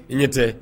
I ɲɛ tɛ